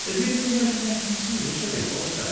Is he the same height as Ekin-Su? Fi isie gweud bod e.